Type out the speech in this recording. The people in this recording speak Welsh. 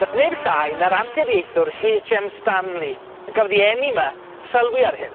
Nath neb llai na'r anturiaethwr Haitch Em Stanley, y gafodd 'i eni 'my, sylwi ar hyn.